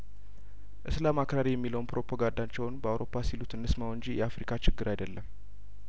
እስላም አክራሪ የሚለውን ፕሮፓጋንዳቸውን በአውሮፓ ሲሉት እንስማው እንጂ የአፍሪካ ችግር አይደለም